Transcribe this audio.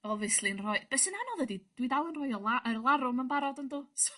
obviously 'n rhoi... Be' sy'n anodd ydi dwi dal yn rhoi y lar- yr larwm yn barod yn dwt.